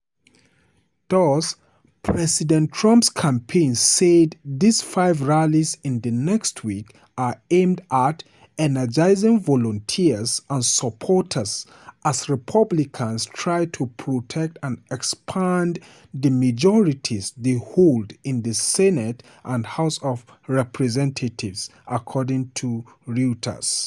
Thus, President Trump's campaign said these five rallies in the next week are aimed at "energizing volunteers and supporters as Republicans try to protect and expand the majorities they hold in the Senate and House of Representatives," according to Reuters.